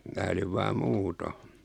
minä olin vain muuten